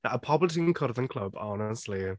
Y pobl ti’n cwrdd yn Clwb, honestly.